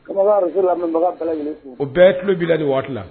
Ko b'anw ka radio lamɛnbaa bɛ lajɛlen fo, u bɛɛ tulolo bila ni waati in na.